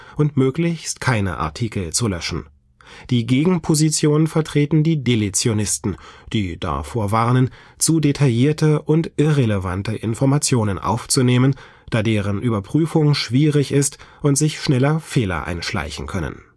keine Artikel zu löschen. Die Gegenposition vertreten die Deletionisten, die davor warnen, zu detaillierte und irrelevante Informationen aufzunehmen, da deren Überprüfung schwierig ist und sich schneller Fehler einschleichen können